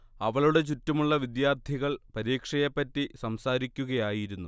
അവളുടെ ചുറ്റുമുള്ള വിദ്യാർത്ഥികൾ പരീക്ഷയെ പറ്റി സംസാരിക്കുകയായിരുന്നു